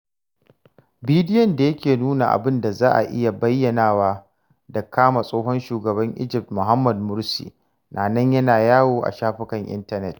Bidiyon da yake nuna abin da za a iya bayyanawa da kama tsohon Shugaban Egypt, Mohammed Morsi na nan yana yawo a shafukan intanet.